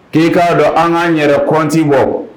Ki ka dɔn an kan yɛrɛ compte bɔ.